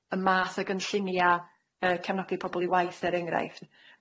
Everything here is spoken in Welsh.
Y math o gynllunia yyy cefnogi pobol i waith er enghraifft.